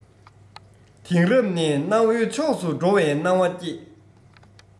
དེང རབས ནས གནའ བོའི ཕྱོགས སུ འགྲོ བའི སྣང བ སྐྱེས